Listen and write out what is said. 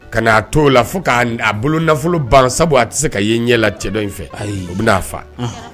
Kan'a to o la fo k' a bolo nafolo ban sabu a tɛ se ka ye ɲɛla cɛdɔn in fɛ ayi u bɛna faa.